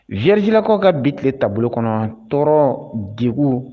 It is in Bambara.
Virizsilakaw ka bi tile taabolo kɔnɔ tɔɔrɔ de